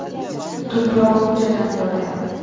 tuproq ko'chadan boryapmiz